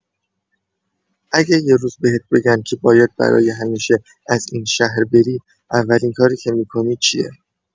اگه یه روز بهت بگن که باید برای همیشه از این شهر بری، اولین کاری که می‌کنی چیه؟